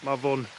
mafon